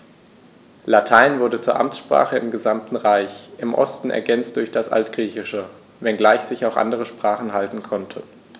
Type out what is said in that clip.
Latein wurde zur Amtssprache im gesamten Reich (im Osten ergänzt durch das Altgriechische), wenngleich sich auch andere Sprachen halten konnten.